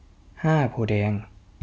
ห้าโพธิ์แดง